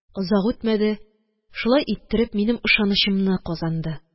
Озак үтмәде, шулай иттереп минем ышанычымны казанды.